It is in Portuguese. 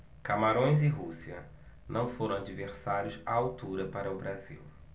camarões e rússia não foram adversários à altura para o brasil